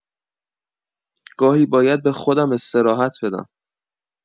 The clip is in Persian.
گاهی باید به خودم استراحت بدم